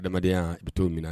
Adamadenya bɛ cogo min na